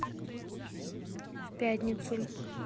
в пятницу